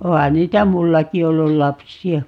onhan niitä minullakin ollut lapsia